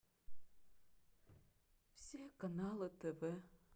все каналы тв